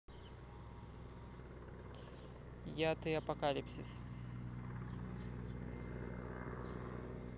я ты апокалипсис